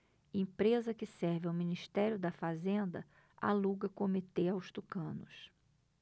empresa que serve ao ministério da fazenda aluga comitê aos tucanos